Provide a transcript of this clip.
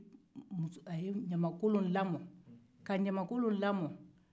a ye ɲamankolon lamɔ